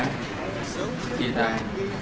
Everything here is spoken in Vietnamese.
rồi